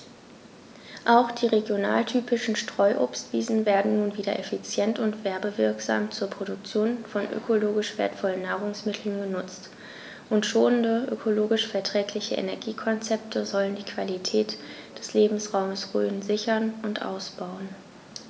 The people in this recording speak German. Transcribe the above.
Auch die regionaltypischen Streuobstwiesen werden nun wieder effizient und werbewirksam zur Produktion von ökologisch wertvollen Nahrungsmitteln genutzt, und schonende, ökologisch verträgliche Energiekonzepte sollen die Qualität des Lebensraumes Rhön sichern und ausbauen.